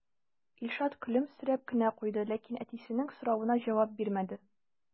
Илшат көлемсерәп кенә куйды, ләкин әтисенең соравына җавап бирмәде.